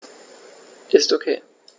Ist OK.